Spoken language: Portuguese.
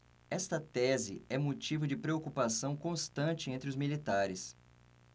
esta tese é motivo de preocupação constante entre os militares